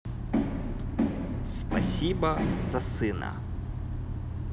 спасибо за сына